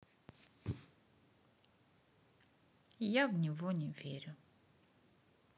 я в него не верю